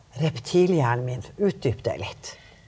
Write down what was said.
reptilhjernen min, utdyp det litt.